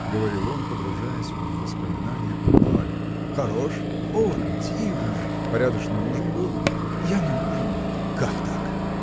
– говорил он, погружаясь в воспоминания о бале. – Хорош? – О, дивный! – Порядочный ужин был? – Я не ужинал. – Как так?